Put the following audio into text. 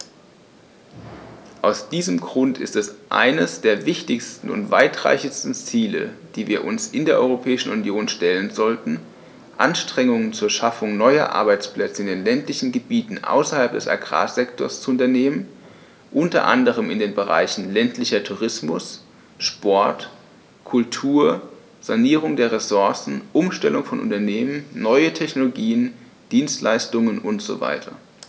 Aus diesem Grund ist es eines der wichtigsten und weitreichendsten Ziele, die wir uns in der Europäischen Union stellen sollten, Anstrengungen zur Schaffung neuer Arbeitsplätze in den ländlichen Gebieten außerhalb des Agrarsektors zu unternehmen, unter anderem in den Bereichen ländlicher Tourismus, Sport, Kultur, Sanierung der Ressourcen, Umstellung von Unternehmen, neue Technologien, Dienstleistungen usw.